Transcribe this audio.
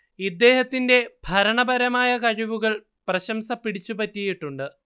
ഇദ്ദേഹത്തിന്റെ ഭരണപരമായ കഴിവുകൾ പ്രശംസ പിടിച്ചുപറ്റിയിട്ടുണ്ട്